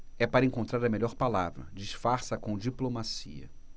é para encontrar a melhor palavra disfarça com diplomacia